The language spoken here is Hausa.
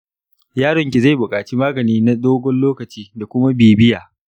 yaron ki zai buƙaci magani na dogon lokaci da kuma bibiya.